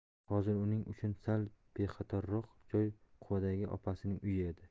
hozir uning uchun sal bexatarroq joy quvadagi opasining uyi edi